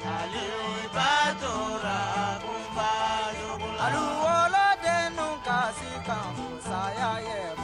Sa bato la kun fa wolo den ka se ka kun saya ye